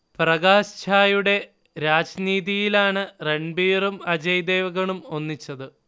പ്രകാശ് ഝായുടെ രാജ്നീതിയിലാണ് രൺബീറും അജയ് ദേവ്ഗണും ഒന്നിച്ചത്